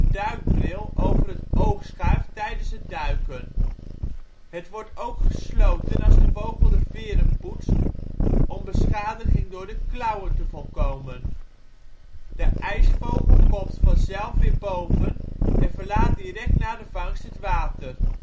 duikbril over het oog schuift tijdens het duiken. Het wordt ook gesloten als de vogel de veren poetst, om beschadiging door de klauwen te voorkomen. De ijsvogel komt vanzelf weer boven en verlaat direct na de vangst het water